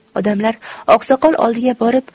odamlar oqsoqol oldiga borib